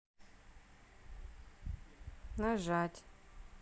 нажать